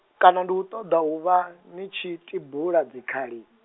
kana ndi u ṱoḓa u vha, ni tshi, tibula dzikhali.